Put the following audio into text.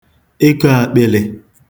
ekō ākpị̄lị̄